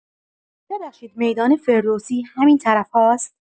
ببخشید، میدان فردوسی همین طرف‌ها ست؟